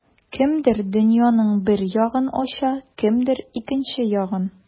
Кемдер дөньяның бер ягын ача, кемдер икенче ягын.